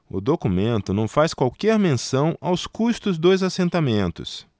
o documento não faz qualquer menção aos custos dos assentamentos